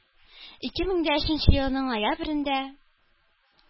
Ике мең дә өченче елның ноябрендә